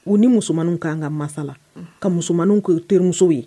U ni musoman ka kanan ka masa la ka musoman tun ye terimuso ye